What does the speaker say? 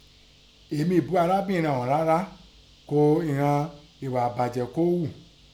Èmi bú arábìnrin ọ̀ún rárá ún ighọn ẹ̀ghà ẹ̀bàjẹ́ kó hù.